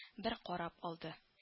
Бер карап алды